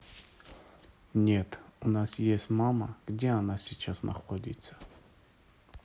нет у нас есть мама где она сейчас находится